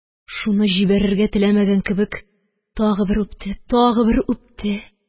Шуны җибәрергә теләмәгән кебек, тагы бер үпте, тагы бер үпте, тагы бер үпте